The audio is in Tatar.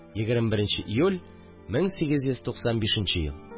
21 нче июль, 1895 ел